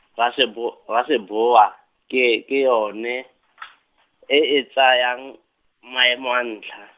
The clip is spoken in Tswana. Rasebo- Raseboa, ke ke yone , e e tsayang, maemo a ntlha.